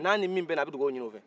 n'a ni min bɛnna a bɛ dugawu ɲini o fɛ